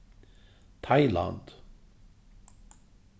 tailand